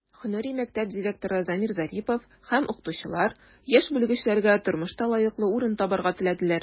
Һөнәри мәктәп директоры Замир Зарипов һәм укытучылар яшь белгечләргә тормышта лаеклы урын табарга теләделәр.